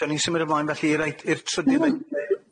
'Dan ni'n symud ymlaen felly reit i'r tryd-